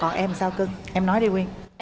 còn em sao cưng em nói đi nguyên